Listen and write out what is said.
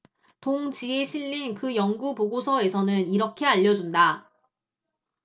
동 지에 실린 그 연구 보고서에서는 이렇게 알려 준다